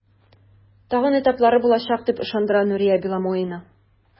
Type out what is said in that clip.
Тагын этаплары булачак, дип ышандыра Нурия Беломоина.